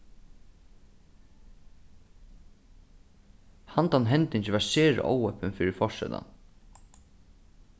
handa hendingin var sera óheppin fyri forsetan